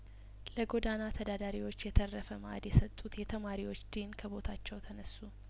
ለጐዳና ተዳዳሪዎች የተረፈ ማእድ የሰጡት የተማሪዎች ዲን ከቦታቸው ተነሱ